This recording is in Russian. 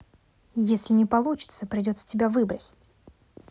если не получится придется тебя выбросить